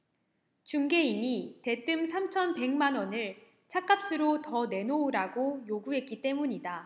중개인이 대뜸 삼천 백 만원을 찻값으로 더 내놓으라고 요구했기 때문이다